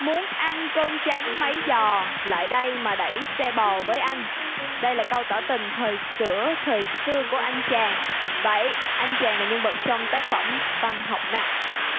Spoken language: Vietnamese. muốn ăn cơm trắng mấy dò lại đây mà đẩy xe bò với anh đây là câu tỏ tình thời xửa thời xưa của anh chàng vậy anh chàng là nhân vật trong tác phẩm văn học nào